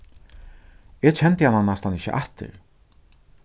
eg kendi hana næstan ikki aftur